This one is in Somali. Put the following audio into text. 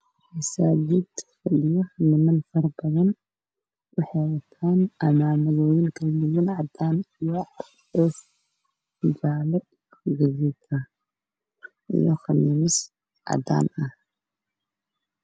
Meeshaan waa meel masaajida waxaanu joogo niman farabadan